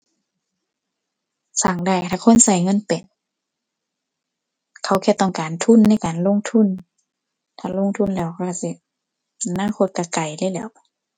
สร้างได้ถ้าคนใช้เงินเป็น เขาแค่ต้องการทุนในการลงทุน ถ้าลงทุนแล้วเขาใช้สิ อนาคตใช้ไกลเลยแหล้ว